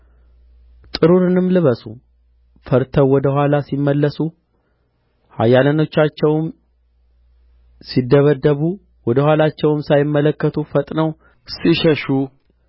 ጥሩርንም ልበሱ ፈርተው ወደ ኋላ ሲመለሱ ኃያላኖቻቸውም ሲደበደቡ ወደ ኋላቸውም ሳይመለከቱ ፈጥነው ሲሸሹ